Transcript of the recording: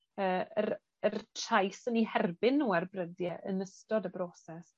yy yr yr trais yn 'u herbyn nw ar brydie yn ystod y broses.